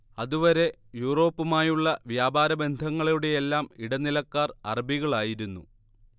അതുവരെ യൂറോപ്പുമായുളള വ്യാപാര ബന്ധങ്ങളുടെയെല്ലാം ഇടനിലക്കാർ അറബികളായിരുന്നു